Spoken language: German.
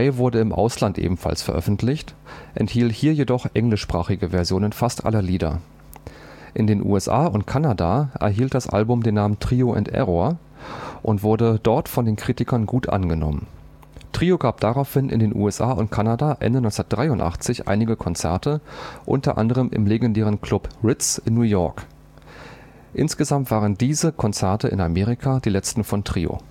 wurde im Ausland ebenfalls veröffentlicht, enthielt hier jedoch englischsprachige Versionen fast aller Lieder. In den USA und Kanada erhielt das Album den Namen „ Trio And Error “und wurde dort von den Kritikern gut angenommen. Trio gab daraufhin in den USA und Kanada Ende 1983 einige Konzerte, u. a. im legendären Club „ Ritz “in New York. Insgesamt waren diese Konzerte in Amerika die letzten von Trio